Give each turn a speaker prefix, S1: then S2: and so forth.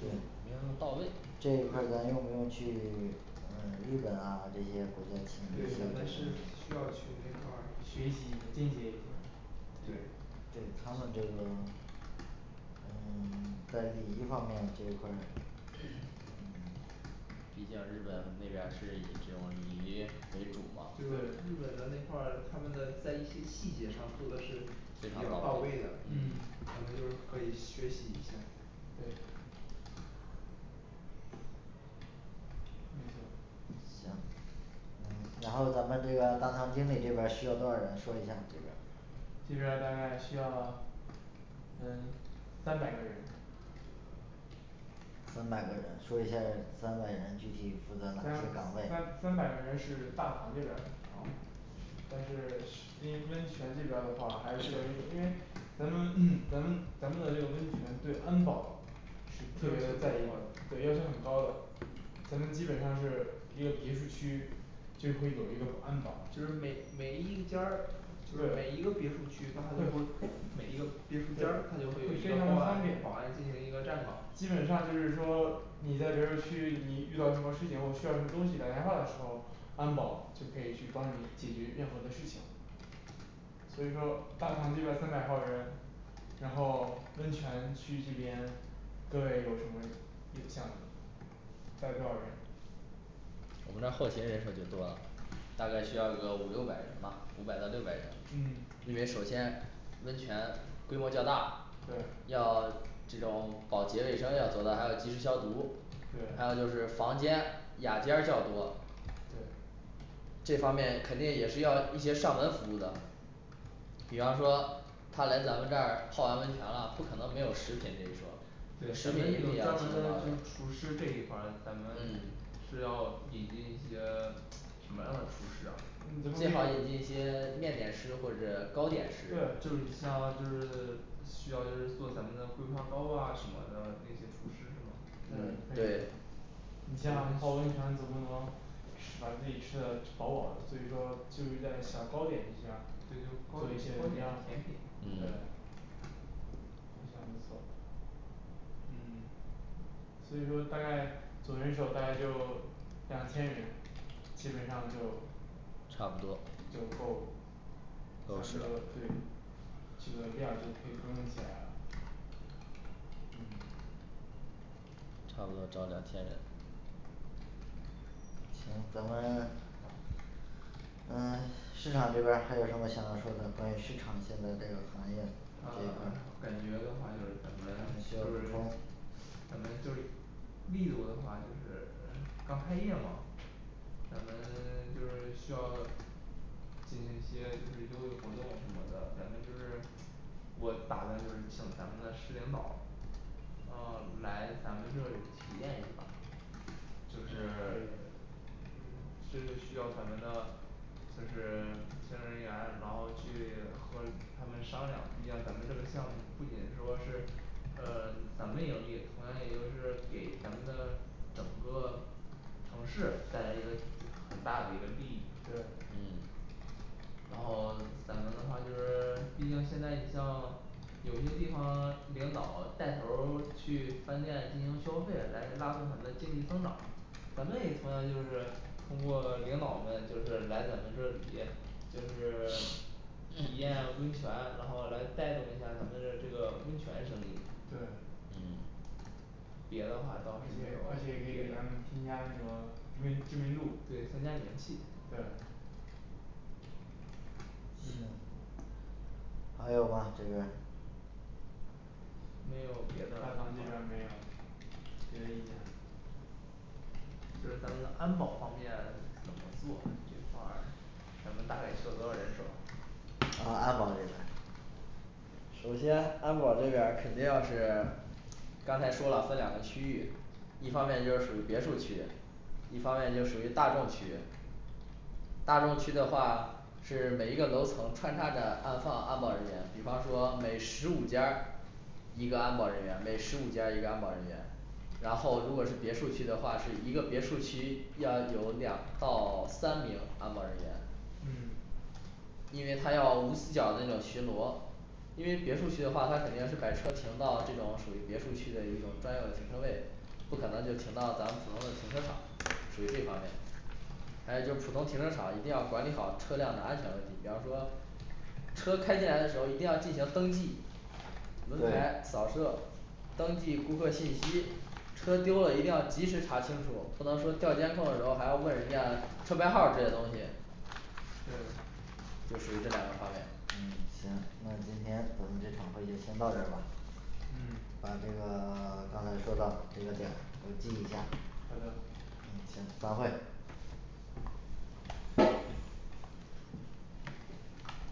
S1: 对没有那么到位。
S2: 这一块儿
S3: 对
S2: 咱用不用去 嗯日本啊这些国家去
S3: 对咱们是需要去那块儿
S4: 学习一下儿借鉴一下儿
S3: 对
S2: 对他们对这个嗯 在礼仪方面这一块儿，嗯
S1: 毕竟日本那边儿是以这种礼仪为主嘛
S3: 对
S4: 对
S3: 日本的那块儿他们的在一些细节上做的是
S1: 非
S3: 比
S1: 常
S3: 较
S1: 到
S3: 到
S1: 位
S3: 位的
S1: &嗯&
S3: 咱们就是可以学习一下儿
S4: 对没特
S2: 行，嗯，然后咱们这个大堂经理这边儿需要多少人说一下比如
S4: 这边儿大概需要嗯，三百个人
S2: 三百个人说一下儿三百人具体负
S4: 三
S2: 责哪些岗位
S4: 三三百个人是大堂这边儿的
S2: 哦
S4: 但是是因为温泉这边儿的话还是需要人手儿因为咱们 咱们咱们的这个温泉对安保是特别的在意的对要求很高的咱们基本上是一个别墅区就会有一个保 安保
S3: 就是每每一间儿就是每
S4: 对
S3: 一个别墅区然后他就
S4: 对
S3: 说每一个
S4: 对会非常的
S3: 别墅间儿他就会一个保安
S4: 方便
S3: 保安进行一个站岗
S4: 基本上就是说你在别墅区你遇到什么事情或需要什么东西打电话的时候安保就可以去帮你解决任何的事情所以说大堂这边儿三百号儿人然后温泉区这边各位有什么有想带多少人
S1: 我们这儿后勤人数儿就多了大概需要个五六百人吧五百到六百人
S4: 嗯
S1: 因为首先温泉规模较大
S4: 对
S1: 要这种保洁卫生要做到还要及时消毒还
S4: 对
S1: 有就是房间雅间儿较多
S4: 对
S1: 这方面肯定也是要一些上门服务的比方说他来咱们这儿泡完温泉啦不可能没有食品这一
S3: 对
S1: 说，食
S3: 咱
S1: 品
S3: 们
S1: 一定
S3: 有专
S1: 要提
S3: 门
S1: 供到
S3: 的就
S1: 位
S3: 是厨师这一块儿咱们
S1: 嗯
S3: 是要引进一些 什么样的厨师啊
S4: 嗯，
S1: 最
S4: 咱们
S1: 好
S4: 可以
S1: 引进一些面点师或者糕点师
S4: 对就是你像就是需要就是做咱们的桂花糕啊什么的那些厨师是吗
S1: 嗯
S3: 对
S1: 对
S4: 你
S1: 咱
S4: 像泡
S1: 们
S4: 温泉总不能吃把自己吃的撑 饱饱的所以说就是在小糕点一下，
S3: 对，对糕糕
S4: 做一些什么
S3: 点
S4: 呀，
S3: 甜品
S1: 嗯
S4: 对非常不错
S3: 嗯
S4: 所以说大概总人手大概就两千人基本上就
S1: 差不多
S4: 就够咱
S1: 够使
S4: 那
S1: 了
S4: 个对这个量就可以供应起来啦嗯
S1: 差不多招两千人
S2: 行咱们，嗯，市场这边儿还有什么想要说的，关于市场这边儿这个行业这
S3: 嗯
S2: 边
S3: 感
S2: 儿，
S3: 觉的话，就是咱们
S2: 还需
S3: 就
S2: 要沟
S3: 是
S2: 通
S3: 咱们就是力度的话就是嗯刚开业嘛咱们 就是需要进行一些就是优惠活动什么的咱们就是我打算就是请咱们的市领导呃来咱们这里体验一把儿就是
S2: 可以呀
S4: 嗯
S3: 是需要咱们的就是行政人员然后去和他们商量毕竟咱们这个项目不仅说是呃咱们盈利同样也就是给咱们的整个城市带来一个很大的一个利益
S4: 对
S1: 嗯
S3: 然后咱们的话就是 毕竟现在你像有些地方领导带头儿去饭店进行消费来拉动咱们经济增长咱们也同样就是通过领导们就是来咱们这里就是体验温泉然后来带动一下儿咱们这这个温泉生意
S4: 对
S1: 嗯
S3: 别的
S4: 而
S3: 话倒是没
S4: 且而且
S3: 有
S4: 也可
S3: 别
S4: 以
S3: 的
S4: 咱们添加那个知名知名度
S3: 对增加名气
S4: 对
S2: 行
S4: 嗯
S2: 还有吗这边儿
S3: 没有别的
S4: 大
S3: 了吧
S4: 堂这边儿没有，别的意见
S3: 就是咱们的安保方面怎么做这块儿咱们大概需要多少人手儿啊
S2: 呃安保这边儿
S1: 首先安保这边儿肯定要是刚才说了分两个区域一方面就是属于别墅区一方面就属于大众区域大众区的话是每一个楼层穿插着安放安保人员比方说每十五间儿一个安保人员每十五间儿一个安保人员然后如果是别墅区的话是一个别墅区要有两到三名安保人员
S4: 嗯
S1: 因为它要无死角儿那种巡逻因为别墅区的话，它肯定是把车停到这种属于别墅区的一种专有的停车位不可能就停到咱们普通的停车场属于这方面还有就普通停车场一定要管理好车辆的安全问题比方说车开进来的时候一定要进行登记轮排
S3: 对
S1: 扫射登记顾客信息车丢了一定要及时查清楚不能说调监控的时候儿还要问人家车牌号儿这些东西
S4: 对
S1: 就属于这两个方面
S2: 嗯，行那今天咱们这场会就先到这儿吧
S4: 嗯
S2: 把这个 刚才说的这个点儿都记一下
S4: 好的
S2: 嗯行散会
S4: 嗯